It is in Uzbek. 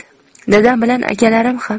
dadam bilan akalarim ham